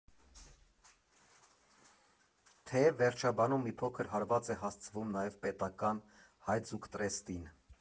Թեև վերջաբանում մի փոքր հարված է հասցվում նաև պետական Հայձուկտրեստին։